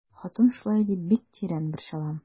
Хатын шулай дип бик тирән борчыла.